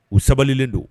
U sabalilen don